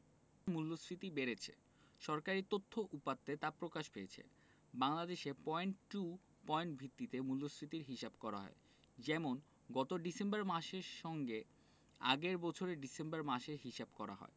মূল্যস্ফীতি বেড়েছে সরকারি তথ্য উপাত্তে তা প্রকাশ পেয়েছে বাংলাদেশে পয়েন্ট টু পয়েন্ট ভিত্তিতে মূল্যস্ফীতির হিসাব করা হয় যেমন গত ডিসেম্বর মাসের সঙ্গে আগের বছরের ডিসেম্বর মাসের হিসাব করা হয়